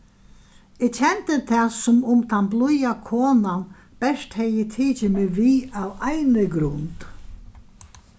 eg kendi tað sum um tann blíða konan bert hevði tikið meg við av eini grund